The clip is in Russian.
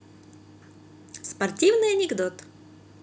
спортивный анекдот